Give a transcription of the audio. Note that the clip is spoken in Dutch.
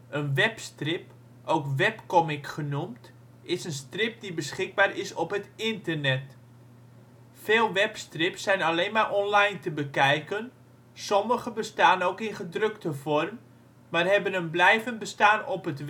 Een webstrip, ook webcomic genoemd, is een strip die beschikbaar is op het Internet. Veel webstrips zijn alleen maar online te bekijken, sommige bestaan ook in gedrukte vorm, maar hebben een blijvend bestaan op het